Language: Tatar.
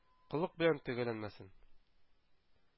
Коллык белән төгәлләнмәсен!